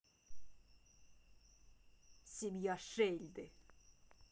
семья шельды